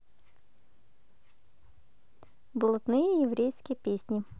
блатные еврейские песни